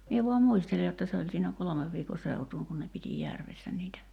minä vain muistelen jotta se oli siinä kolmen viikon seutuun kun ne piti järvessä niitä